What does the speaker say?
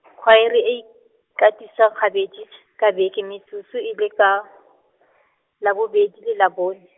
khwaere e ikatisa gabedi , ka beke metsotso e le ka, labobedi le Labone.